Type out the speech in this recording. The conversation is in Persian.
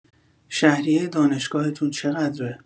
شهریه دانشگاهتون چقدره؟